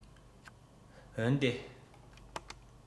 འོན ཏེ